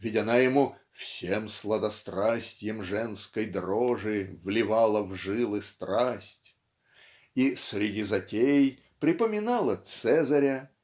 Ведь она ему "всем сладострастьем женской дрожи вливала в жилы страсть" и "среди затей" припоминала Цезаря